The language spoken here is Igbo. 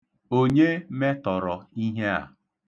Onye metọrọ ihe a?